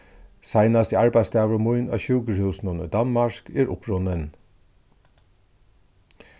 seinasti arbeiðsdagur mín á sjúkrahúsinum í danmark er upprunnin